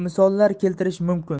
misollar keltirish mumkin